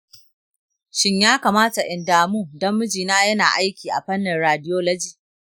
shin ya kamata in damu dan mijina yana aiki a fannin radiology?